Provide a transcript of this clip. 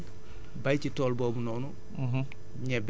da nga war a changé bay ci tool boobu noonu